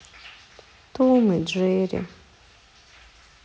том и джерри